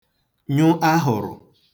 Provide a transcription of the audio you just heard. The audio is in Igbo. nyụ ahụ̀rụ̀